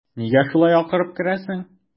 Нигә шулай акырып керәсең?